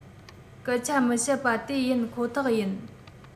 སྐད ཆ མི བཤད པ དེ ཡིན ཁོ ཐག ཡིན